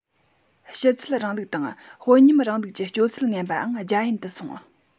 ཕྱི ཚུལ རིང ལུགས དང དཔོན ཉམས རིང ལུགས ཀྱི སྤྱོད ཚུལ ངན པའང རྒྱ ཡན དུ སོང